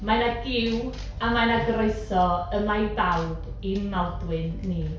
Mae 'na giw a mae 'na groeso yma i bawb i'n Maldwyn ni.